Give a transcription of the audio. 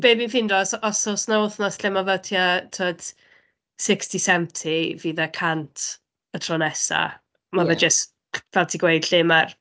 Be fi'n ffindo os os oes 'na wythnos lle mae fel tua, timod, sixty seventy fydd e cant y tro nesa. Ma'... ie. ...fe jyst, fel ti'n gweud lle, mae'r